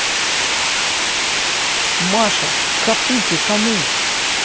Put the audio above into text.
маша капуки кому